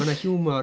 Ma' 'na hiwmor.